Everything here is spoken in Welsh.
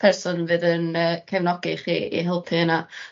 person fydd yn yy cefnogi chi i helpu yna